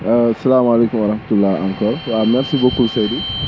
salaamaaleykum wa rahmatulah encore waaw merci beaucoup Seydou